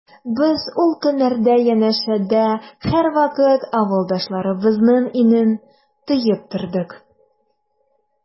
Без ул көннәрдә янәшәдә һәрвакыт авылдашларыбызның иңен тоеп тордык.